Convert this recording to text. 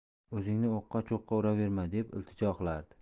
o'zingni o'qqa cho'qqa uraverma deb iltijo qilardi